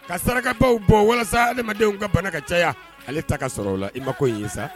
Ka sarakabaw bɔ walasa adamadenw ka bana ka caya ale ta ka sɔrɔ o la, i mako in ye sa.